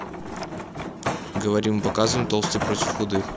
говорим и показываем толстые против худых